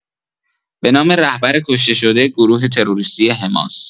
به نام رهبر کشته‌شده گروه تروریستی حماس